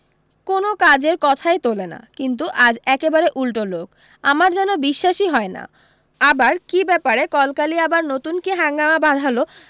কোনো কাজের কথাই তোলে না কিন্তু আজ একে বারে উল্টো লোক আমার যেন বিশ্বাসি হয় না আবার কী ব্যাপার কলকালি আবার নতুন কী হাঙ্গামা বাধালো